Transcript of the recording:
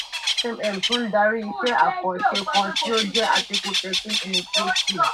FMM tún ń darí iṣẹ́ àkànṣe kan tí ó ń jẹ́ "Article 13 Initiative"?